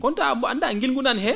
kono tawa mbo anndaa ngilngu nani heen